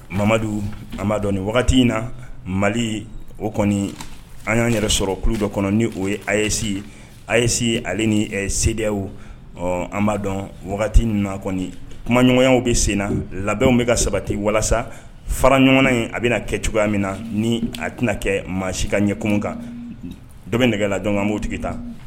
Ma a ma dɔni wagati in na mali o kɔni an y'an yɛrɛ sɔrɔ kulu bɛɛ kɔnɔ ni o ye ase a yese ale ni sew ɔ anba dɔn wagati nana kɔni kumaɲɔgɔnyaw bɛ sen na labɛnw bɛ ka sabati walasa fara ɲɔgɔn in a bɛna kɛ cogoya min na ni a tɛna kɛ ma si ka ɲɛ kunun kan dɔ bɛ nɛgɛla dɔn b' tigi taa